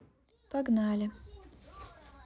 погнали